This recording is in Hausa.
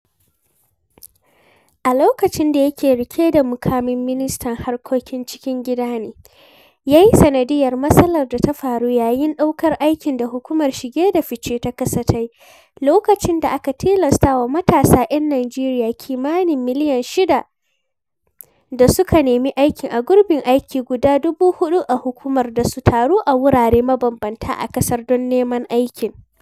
A lokacin da yake riƙe da muƙamin ministan harkokin cikin gida ne yayi sandiyyar matsalar da ta faru yayin ɗaukar aikin da Hukumar Shige da Fice ta ƙasa ta yi, lokacin da aka tilastawa matasa 'yan Nijeriya kimanin miliyan 6 da suka nemi aiki a gurbin aiki guda 4000 a hukumar da su taru a wurare mabambamta a ƙasar don neman aikin.